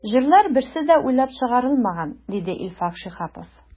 “җырлар берсе дә уйлап чыгарылмаган”, диде илфак шиһапов.